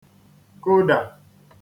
kodà